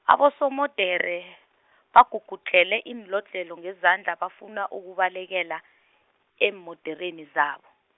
abosomodere, bagugudlhele iinlodlhelo ngezandla bafuna ukubalekela, eemodereni zabo.